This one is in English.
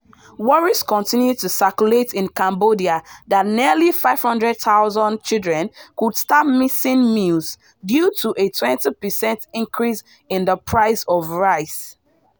Worries continue to circulate in Cambodia that nearly 500,000 children could start missing meals due to a 20% increase in the price of rice.